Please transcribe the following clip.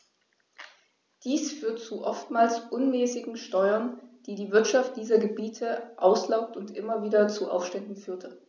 Dies führte zu oftmals unmäßigen Steuern, die die Wirtschaft dieser Gebiete auslaugte und immer wieder zu Aufständen führte.